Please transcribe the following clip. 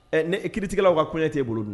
Ɛ kitigɛlaw aw ka kɔɲɔ tɛ' bolo don